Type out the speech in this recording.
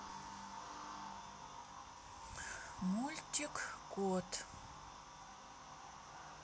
мультик кот